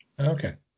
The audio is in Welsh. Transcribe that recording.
Ocê.